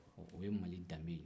o ye mali danbe ye